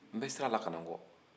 n bɛ sira la ka na n kɔ